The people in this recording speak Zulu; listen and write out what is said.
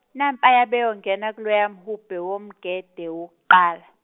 nampaya beyongena kuloya mhubhe womgede wokuqala.